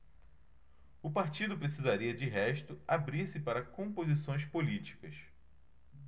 o partido precisaria de resto abrir-se para composições políticas